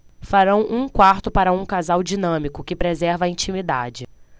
farão um quarto para um casal dinâmico que preserva a intimidade